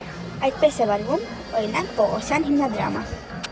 Այդպես է վարվում, օրինակ, Պողոսյան հիմնադրամը։